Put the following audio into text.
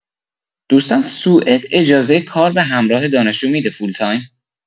دوستان سوئد اجازه کار به همراه دانشجو می‌ده فول تایم؟